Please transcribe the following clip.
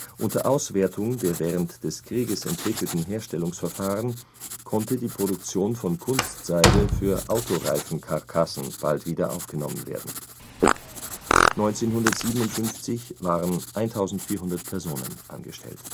Unter Auswertung der während des Krieges entwickelten Herstellungsverfahren konnte die Produktion von Kunstseide für Autoreifenkarkassen bald wieder aufgenommen werden, 1957 waren 1400 Personen angestellt